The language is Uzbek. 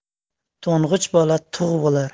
to'ng'ich bola tug' bo'lar